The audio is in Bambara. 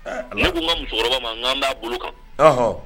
Ne tun ma musokɔrɔba ma n'an b'a bolo kan